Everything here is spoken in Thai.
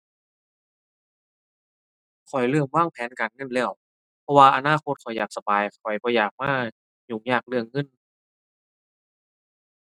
ข้อยเริ่มวางแผนการเงินแล้ว เพราะว่าอนาคตข้อยอยากสบาย ข้อยบ่อยากมายุ่งยากเรื่องเงิน